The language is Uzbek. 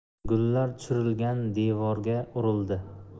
gullar tushirilgan devorga urildi